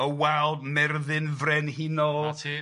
O wal Merddin Frenhinol... Na ti.